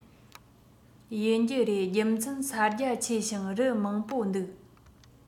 ཡིན རྒྱུ རེད རྒྱུ མཚན ས རྒྱ ཆེ ཞིང རི མང པོ འདུག